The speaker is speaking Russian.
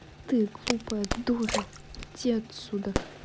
ты глупая дура блять иди нахуй отсюда